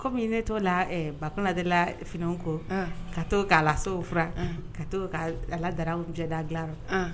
Kɔmi ne t' la ba kunna dela f ko ka k'a la sowuran ka' kaladaramujɛda dilara